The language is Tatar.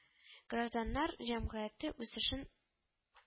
Гражданнар җәмгыяте үсешен